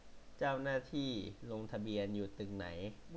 เจ้าหน้าที่ลงทะเบียนอยู่ตึกไหน